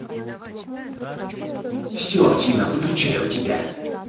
все афина выключай у тебя